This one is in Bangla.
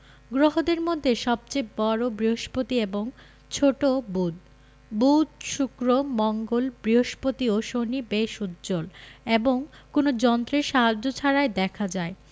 গ্রহদের মধ্যে সবচেয়ে বড় বৃহস্পতি এবং ছোট বুধ বুধ শুক্র মঙ্গল বৃহস্পতি ও শনি বেশ উজ্জ্বল এবং কোনো যন্ত্রের সাহায্য ছাড়াই দেখা যায়